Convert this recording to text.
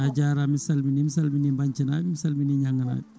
a jarama mi salminima mi salmini Mbanthia naaɓe mi salmini Niangua naaɓe